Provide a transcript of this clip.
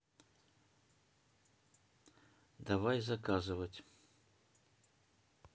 давай заказывать